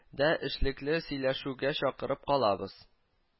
Дә эшлекле сөйләшүгә чакырып калабыз